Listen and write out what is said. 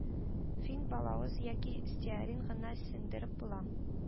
Фин, балавыз яки стеарин гына да сеңдереп була